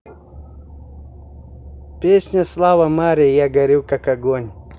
песня слава маре я горю как огонь